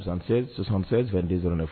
Fɛn2den sɔrɔ